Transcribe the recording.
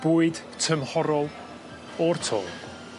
Bwyd tymhorol, o'r to.